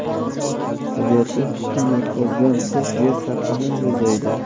tabiatga hukm o'tkazgan qish yer sathini bezaydi